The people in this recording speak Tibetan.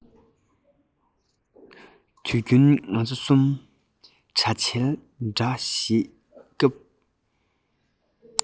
དུས རྒྱུན ང ཚོ གསུམ པྲ ཆལ འདྲ བྱེད སྐབས